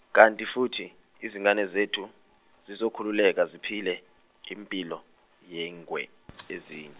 kanti futhi izingane zethu zizokhululeka ziphile impilo yengwe ezin-.